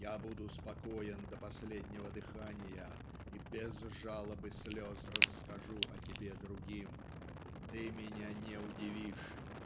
Я буду спокоен до последнего дыхания и без жалоб и слез расскажу о тебе другим. Ты меня не удивишь